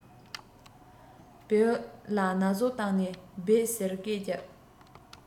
བེའུ ལ ན ཟུག བཏང ནས སྦད ཟེར སྐད རྒྱབ